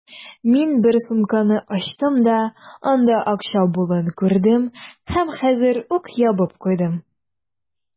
Мин бер сумканы ачтым да, анда акча булуын күрдем һәм хәзер үк ябып куйдым.